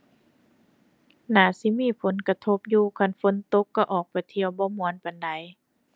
น่าสิมีผลกระทบอยู่ คันฝนตกก็ออกไปเที่ยวบ่ม่วนปานใด